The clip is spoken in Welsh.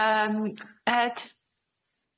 Yym Ed?